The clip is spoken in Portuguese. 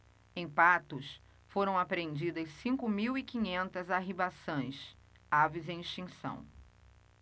em patos foram apreendidas cinco mil e quinhentas arribaçãs aves em extinção